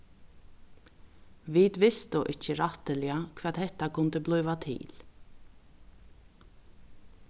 vit vistu ikki rættiliga hvat hetta kundi blíva til